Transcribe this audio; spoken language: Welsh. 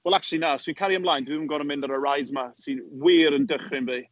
Wel, acshyli na, os dwi'n cario 'mlaen, dwi'm yn goro mynd ar y rides ma' sy wir yn dychryn fi.